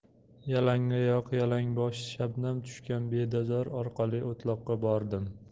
yalangoyoq yalangbosh shabnam tushgan bedazor orqali o'tloqqa bordim